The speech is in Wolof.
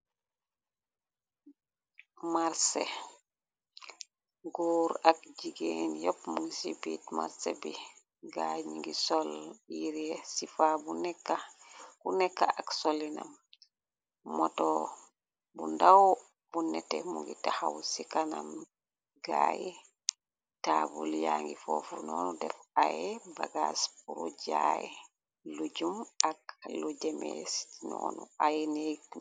Marsé góor ak jigeen yopp mu ci bit marsé bi. Gaay ni ngi sol yire si fa bu nekk ak solinam moto bu ndaw bu nete mu ngi taxaw ci kanam gaay taabul yaangi fooful noonu def ay bagaas pru jaay lu jum ak lu jemee ci noonu ay neg.